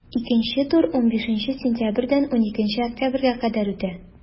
Икенче тур 15 сентябрьдән 12 октябрьгә кадәр үтә.